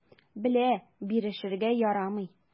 Белә: бирешергә ярамый.